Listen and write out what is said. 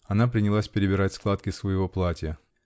Она принялась перебирать складки своего платья.